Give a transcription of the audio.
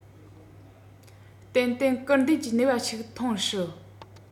ཏན ཏན སྐུལ འདེད ཀྱི ནུས པ ཞིག ཐོན སྲིད